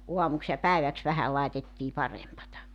aamuksi ja päiväksi vähän laitettiin parempaa